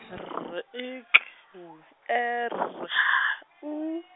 R I K W E R H U.